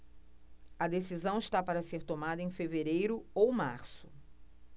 a decisão está para ser tomada em fevereiro ou março